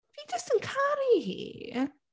Fi just yn caru hi.